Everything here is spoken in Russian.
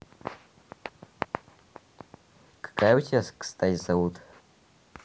какая у тебя кстати зовут